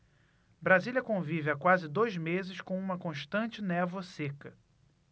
brasília convive há quase dois meses com uma constante névoa seca